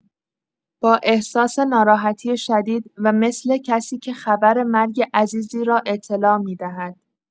با احساس ناراحتی شدید و مثل کسی که خبر مرگ عزیزی را اطلاع می‌دهد